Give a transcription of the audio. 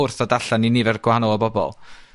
wrth ddod allan i nifer gwanol o bobol?